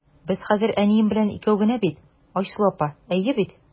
Без хәзер әнием белән икәү генә бит, Айсылу апа, әйе бит?